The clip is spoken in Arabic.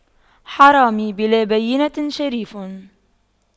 حرامي بلا بَيِّنةٍ شريف